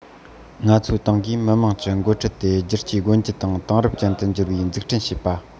ང ཚོའི ཏང གིས མི དམངས ཀྱི འགོ ཁྲིད དེ བསྒྱུར བཅོས སྒོ འབྱེད དང དེང རབས ཅན དུ འགྱུར བའི འཛུགས སྐྲུན བྱེད པ